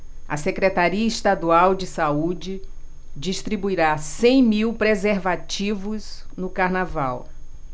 a secretaria estadual de saúde distribuirá cem mil preservativos no carnaval